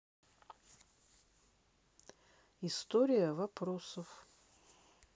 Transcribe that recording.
история вопросов